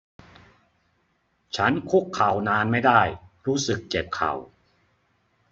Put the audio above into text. ฉันคุกเข่านานไม่ได้รู้สึกเจ็บเข่า